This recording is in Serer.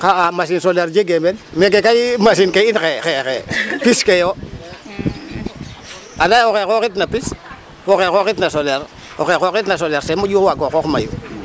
xa'aa machime solaire jegee meen meke kay machine ke in xay xey pis ke yo anda yee oxe xooxitna pis fo oxe xooxitna solaire oxe xooxit solaire ten moƴu waago xoox mayu.